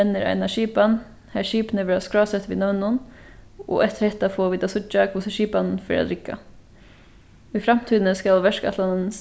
mennir eina skipan har skipini verða skrásett við nøvnum og eftir hetta fáa vit at síggja hvussu skipanin fer at rigga í framtíðini skal verkætlanin